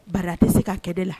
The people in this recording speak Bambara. Ba tɛ se ka kɛlɛ la